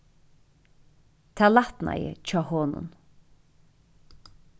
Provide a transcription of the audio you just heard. tað lætnaði hjá honum